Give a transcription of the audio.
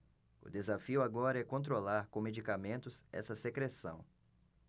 o desafio agora é controlar com medicamentos essa secreção